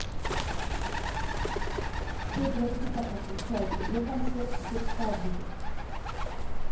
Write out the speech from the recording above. все дураки так отвечают где концерт в севкабеле